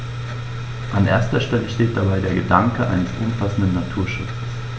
An erster Stelle steht dabei der Gedanke eines umfassenden Naturschutzes.